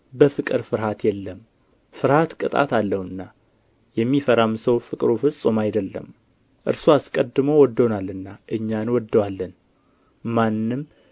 በፍቅር ፍርሃት የለም ፍርሃት ቅጣት አለውና የሚፈራም ሰው ፍቅሩ ፍጹም አይደለም እርሱ አስቀድሞ ወዶናልና እኛ እንወደዋለን ማንም